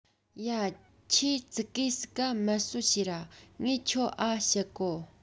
ཡ ཁྱོས ཙི གེ ཟིག ག མལ སྲོལ བྱོས ར ངས ཁྱོད འ བཤད གོ